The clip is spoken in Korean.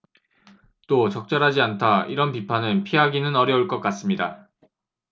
또 적절하지 않다 이런 비판은 피하기는 어려울 것 같습니다